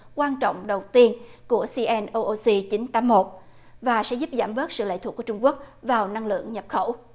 quan trọng đầu tiên của xi en âu âu xi chín tám một và sẽ giúp giảm bớt sự lệ thuộc của trung quốc vào năng lượng nhập khẩu